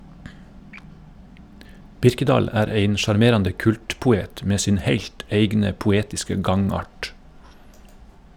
Birkedal er ein sjarmerande kultpoet med sin heilt eigne poetiske gangart.